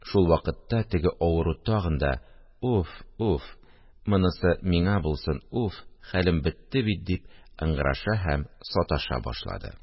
Шул вакытта теге авыру тагын да: «Уф, уф! Монысы миңа булсын, уф, хәлем бетте бит», – дип ыңгыраша һәм саташа башлады